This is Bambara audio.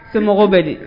Cɛmɔgɔmɔgɔw bɛ di